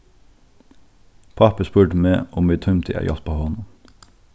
pápi spurdi meg um eg tímdi at hjálpa honum